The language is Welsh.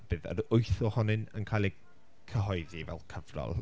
bydd yr wyth ohonyn yn cael eu cyhoeddi fel cyfrol.